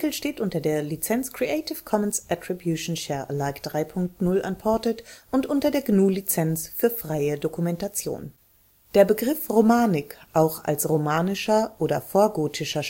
steht unter der Lizenz Creative Commons Attribution Share Alike 3 Punkt 0 Unported und unter der GNU Lizenz für freie Dokumentation. Dieser Artikel beschreibt die Kunstepoche; zu dem Radrennfahrer siehe Radosław Romanik. Das Hauptschiff des Speyerer Doms Der Begriff Romanik (auch: romanischer/vorgotischer Stil